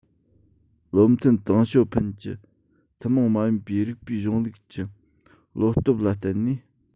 བློ མཐུན ཏེང ཞའོ ཕིན གྱིས ཐུན མོང མ ཡིན པའི རིགས པའི གཞུང ལུགས ཀྱི བློ སྟོབས ལ བརྟེན ནས